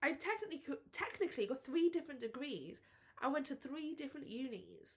I've technically co- technically got three different degrees and went to three different unis.